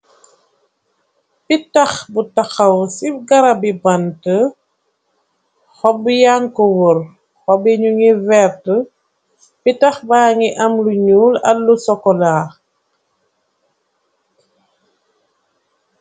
Pitax bu taxaw ci garabi banta xoob yan co wor xoobi ñungi verta pitax bagi am lu ñuul ak luu sokolaa.